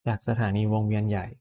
จากสถานีวงเวียนใหญ่